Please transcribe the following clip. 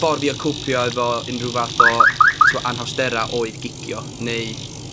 ffordd i yy copio efo unrhyw fath o t'mo' anhawstera oedd gigio, neu